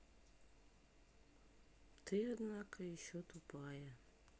ты однако еще тупая